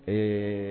Ee